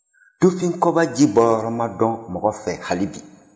tufin kɔba jibɔyɔrɔ ma dɔn mɔgɔ fɛ hali bi